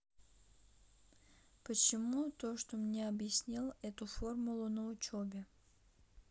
почему то что мне объяснил эту формулу на учебе